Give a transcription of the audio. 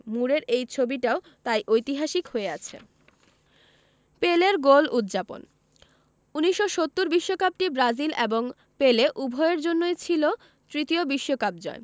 মুরের এই ছবিটাও তাই ঐতিহাসিক হয়ে আছে পেলের গোল উদ্ যাপন ১৯৭০ বিশ্বকাপটি ব্রাজিল এবং পেলে উভয়ের জন্যই ছিল তৃতীয় বিশ্বকাপ জয়